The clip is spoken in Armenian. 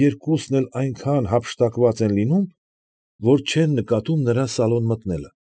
Երկուսն էլ այնքան հափշտակված են լինում, որ չեն նկատում նրա սալոն մտնելը։